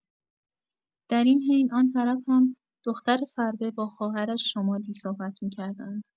در این حین آن‌طرف هم دختر فربه با خواهرش شمالی صحبت می‌کردند.